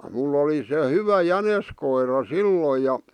minulla oli se hyvä jäniskoira silloin ja